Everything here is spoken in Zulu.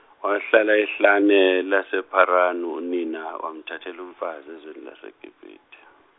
wahlala ehlane lasePharanu, unina wamthathela umfazi ezweni laseGibithe.